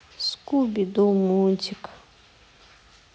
скуби ду мультик